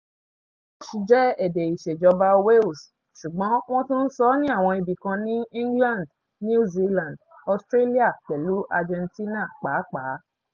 Welsh jẹ́ èdè ìṣèjọba Wales, ṣùgbọ́n wọ́n tún ń sọ ọ́ ní àwọn ibìkan ní England, New Zealand Australia pẹ̀lú Argentina pàápàá.